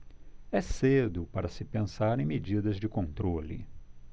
é cedo para se pensar em medidas de controle